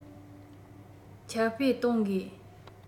ཁྱབ སྤེལ གཏོང དགོས